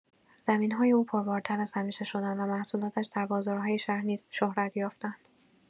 زمین‌های او پربارتر از همیشه شدند و محصولاتش در بازارهای شهر نیز شهرت یافتند.